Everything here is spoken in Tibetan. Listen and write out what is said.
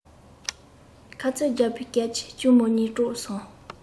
ཁ རྩོད བརྒྱབ པའི སྐད ཀྱིས གཅུང མོའི གཉིད དཀྲོགས སོང